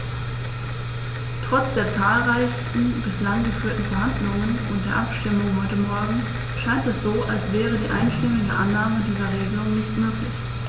Trotz der zahlreichen bislang geführten Verhandlungen und der Abstimmung heute Morgen scheint es so, als wäre die einstimmige Annahme dieser Regelung nicht möglich.